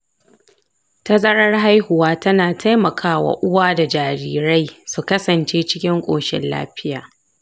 tazarar haihuwa tana taimaka wa uwa da jarirai su kasance cikin koshin lafiya.